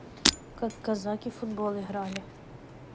как казаки в футбол играли